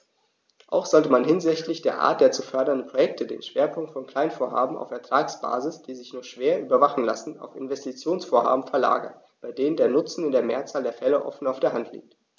Auch sollte man hinsichtlich der Art der zu fördernden Projekte den Schwerpunkt von Kleinvorhaben auf Ertragsbasis, die sich nur schwer überwachen lassen, auf Investitionsvorhaben verlagern, bei denen der Nutzen in der Mehrzahl der Fälle offen auf der Hand liegt.